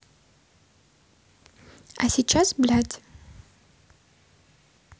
а сейчас блядь